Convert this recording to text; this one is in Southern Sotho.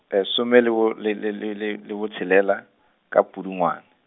leshome le bo, le le le le le botshelela, ka Pudungwana.